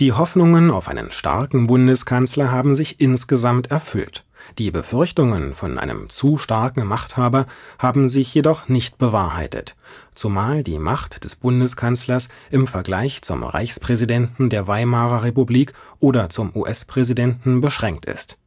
Hoffnungen auf einen starken Bundeskanzler haben sich insgesamt erfüllt, die Befürchtungen vor einem zu starken Machthaber haben sich jedoch nicht bewahrheitet, zumal die Macht des Bundeskanzlers im Vergleich zum Reichspräsidenten der Weimarer Republik oder zum US-Präsidenten beschränkt ist